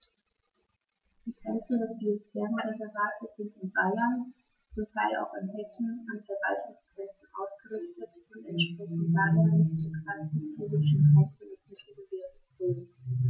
Die Grenzen des Biosphärenreservates sind in Bayern, zum Teil auch in Hessen, an Verwaltungsgrenzen ausgerichtet und entsprechen daher nicht exakten physischen Grenzen des Mittelgebirges Rhön.